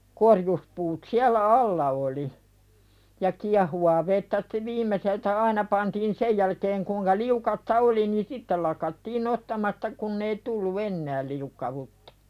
korjuspuut siellä alla oli ja kiehuvaa vettä sitä viimeiseltä aina pantiin sen jälkeen kuinka liukasta oli niin sitten lakattiin nostamasta kun ei tullut enää liukkautta